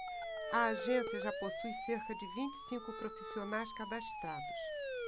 a agência já possui cerca de vinte e cinco profissionais cadastrados